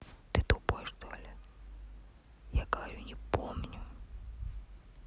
ты тупой что ли я говорю не помню